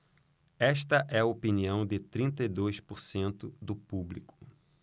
esta é a opinião de trinta e dois por cento do público